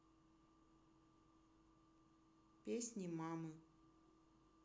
песни мамы